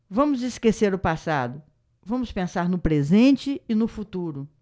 vamos esquecer o passado vamos pensar no presente e no futuro